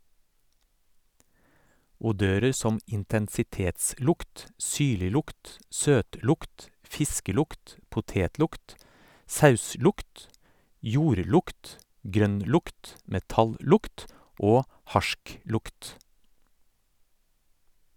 Odører som intensitetslukt, syrliglukt, søtlukt, fiskelukt, potetlukt, sauslukt, jordlukt, grønnlukt, metallukt og harsklukt.